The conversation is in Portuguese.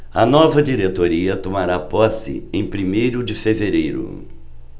a nova diretoria tomará posse em primeiro de fevereiro